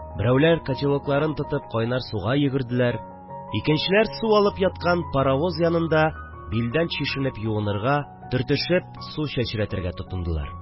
Берәүләр котелокларын тотып кайнар суга йөгерделәр, икенчеләр су алып яткан паровоз янында билдән чишенеп юынырга, төртешеп су чәчрәтергә тотындылар